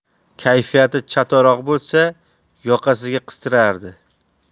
kayfiyati chatoqroq bo'lsa yoqasiga qistirardi